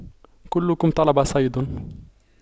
كلكم طلب صيد